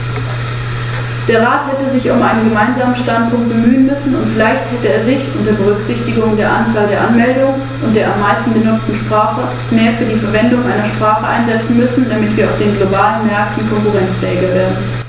Der Bericht befasst sich mit der Harmonisierung von Prüfungsanforderungen für Sicherheitsberater, die im Bereich der Beförderung gefährlicher Güter auf Straße, Schiene oder Binnenwasserstraße tätig sind.